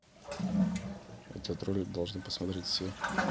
этот ролик должны посмотреть все